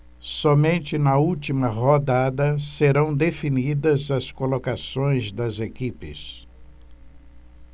somente na última rodada serão definidas as colocações das equipes